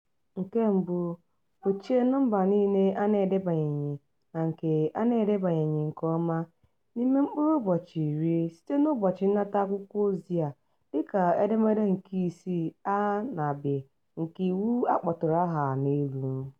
1- Gbochie nọmba niile a na-edebanyeghị na nke a na-edebanyeghị nke ọma n'ime mkpụrụ ụbọchị 10 site n'ụbọchị nnata akwụkwọozi a, dịka Edemede nke 6 (a) na (b) nke Iwu a kpọtụrụ aha n'elu.